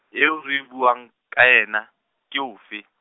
eo re buang, ka yena, ke ofe?